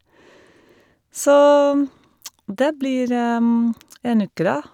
Så det blir en uke, da.